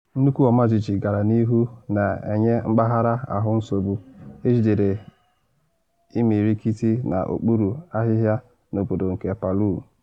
Nnukwu ọmajiji gara n’ihu na enye mpaghara ahụ nsogbu, ejidere imirikiti n’okpuru ahịhịa n’obodo nke Palu.